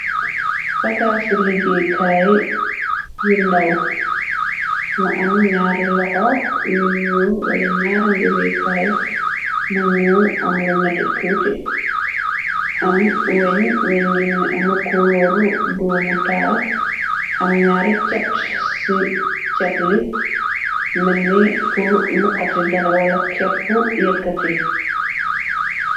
Bagaasu liggéey kaay yu ndaw, mu am ñaari loxo yu ñuul, wala ñaari ngëbée kaay. Mu ñuul am lu nétté tuuti, am weñ, weñ gi, mu ngi amee kulooru doomu, taal am ñaari cet. Si cet li, melni pur luxati dara, wala képpu yekkati.